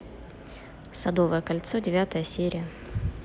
садовое кольцо девятая серия